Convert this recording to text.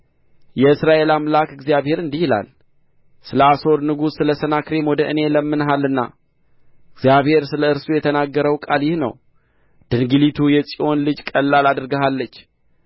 የእስራኤል አምላክ እግዚአብሔር እንዲህ ይላል ስለ አሦር ንጉሥ ስለ ሰናክሬም ወደ እኔ ለምነሃልና እግዚአብሔር ስለ እርሱ የተናገረው ቃል ይህ ነው ድንግሊቱ የጽዮን ልጅ ቀላል አድርጋሃለች